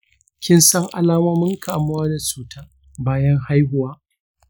kin san alamomin kamuwa da cuta bayan haihuwa?